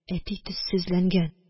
Әти төссезләнгән